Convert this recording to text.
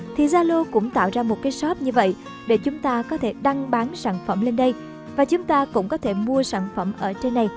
thì zalo cũng tạo ra cái shop như vậy để chúng ta có thể đăng bán sản phẩm lên đây và chúng ta cũng có thể mua sản phẩm ở trên này